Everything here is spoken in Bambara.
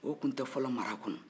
o tun tɛ fɔlɔ mara kɔnɔ